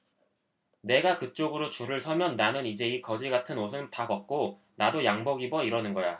내가 그쪽으로 줄을 서면 나는 이제 이 거지 같은 옷은 다 벗고 나도 양복 입어 이러는 거야